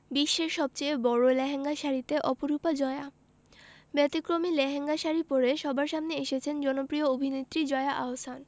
বিশ্বের সবচেয়ে বড় লেহেঙ্গা শাড়িতে অপরূপা জয়া ব্যতিক্রমী লেহেঙ্গা শাড়ি পরে সবার সামনে এসেছেন জনপ্রিয় অভিনেত্রী জয়া আহসান